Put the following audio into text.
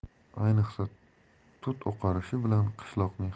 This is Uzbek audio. ayniqsa tut oqarishi bilan qishloqning